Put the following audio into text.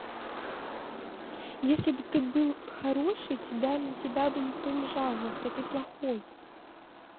если бы ты был хороший тебя на тебя бы никто не жаловался а ты плохой